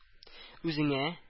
Үзенә